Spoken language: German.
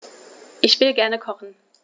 Ich will gerne kochen.